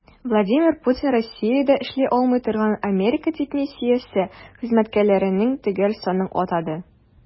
Владимир Путин Россиядә эшли алмый торган Америка дипмиссиясе хезмәткәрләренең төгәл санын атады.